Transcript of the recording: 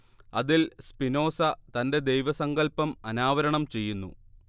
അതിൽ സ്പിനോസ തന്റെ ദൈവസങ്കല്പം അനാവരണം ചെയ്യുന്നു